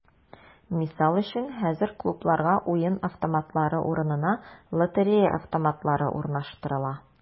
Мисал өчен, хәзер клубларга уен автоматлары урынына “лотерея автоматлары” урнаштырыла.